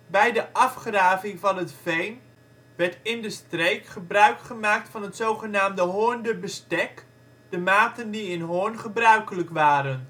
Bij de afgraving van het veen werd in de streek gebruikgemaakt van de zogenaamde Hoornder bestek, de maten die in Hoorn gebruikelijk waren